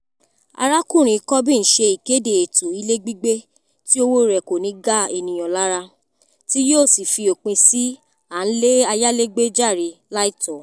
Mr Corbyn ṣe ìkéde èto ilé-gbígbé tí owó rẹ̀ kò ní ga ènìyàn lára, tí yóó sì fí òpin sí à ń lé ayálégbé járe láìtọ́.